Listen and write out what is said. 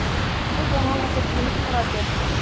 Кыз аңа гаҗәпсенеп карады.